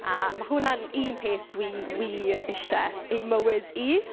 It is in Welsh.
A ma' hwnna'n yn un peth dwi wir isie i mywyd i.